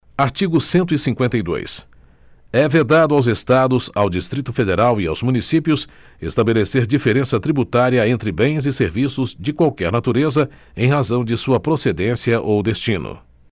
artigo cento e cinquenta e dois é vedado aos estados ao distrito federal e aos municípios estabelecer diferença tributária entre bens e serviços de qualquer natureza em razão de sua procedência ou destino